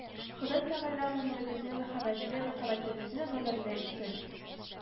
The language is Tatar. Ходай тәгалә гомерегезне мәхәббәтле мәхәббәтегезне гомерле итсен